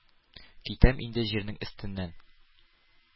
Китәм инде җирнең өстеннән.